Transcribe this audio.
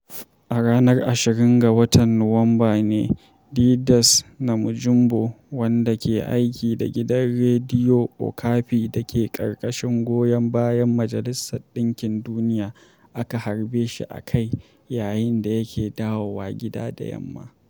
A ranar 21 ga watan Nuwamba ne, Didace Namujimbo, wanda ke aiki da gidan Rediyo Okapi da ke ƙarƙashin goyon bayan Majalisar Ɗinkin Duniya, aka harbe shi a kai yayin da yake dawowa gida da yamma.